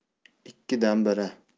ikkidan biri